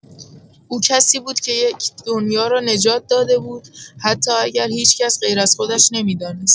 او کسی بود که یک دنیا را نجات داده بود، حتی اگر هیچ‌کس غیراز خودش نمی‌دانست.